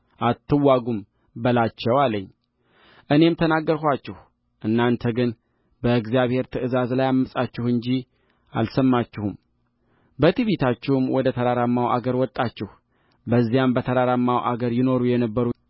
አትዋጉም በላቸው አለኝ እኔም ተናገርኋችሁእናንተ ግን በእግዚአብሔር ትእዛዝ ላይ ዓመፃችሁ እንጂ አልሰማችሁም በትዕቢታችሁም ወደ ተራራማው አገር ወጣችሁበዚያም በተራራማው አገር ይኖሩ የነበር